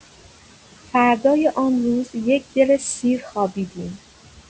فردای آن روز یک دل سیر خوابیدیم.